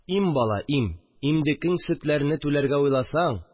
Им, бала, им! Имдекең сөтләрне түләргә уйласаң